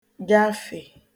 gafè